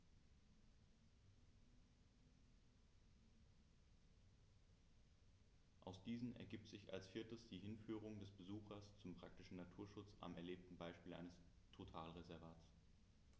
Aus diesen ergibt sich als viertes die Hinführung des Besuchers zum praktischen Naturschutz am erlebten Beispiel eines Totalreservats.